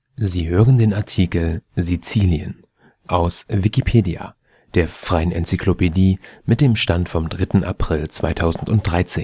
Sie hören den Artikel Sizilien, aus Wikipedia, der freien Enzyklopädie. Mit dem Stand vom Der Inhalt